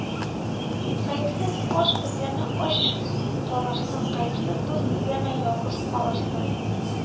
Гаепсез аш эзләмә ач калырсың, гаепсез дус эзләмә ялгыз калырсың